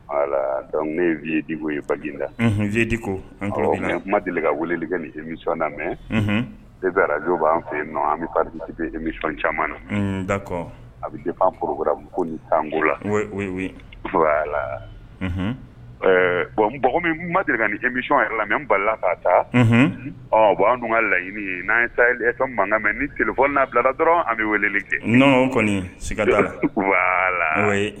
Dɔnku ne vdibo ye bag la zedi deli ka weleli ka ninmi na mɛ e bararajo b'an fɛ yen nɔn an bɛmisɔn caman na da a bɛ fan foro ko ni tanko lala bɔn deli ka nin imisɔnɔn la mɛ n balala ka taa bɔn an ka laɲini n'an taa e mankan mɛn ni tilefɔ n'abilala dɔrɔn an bɛ wele kɛ kɔni sigiiga dugu b la